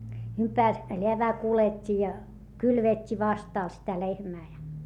- läävään kuljetti ja kylvetti vastalla sitä lehmää ja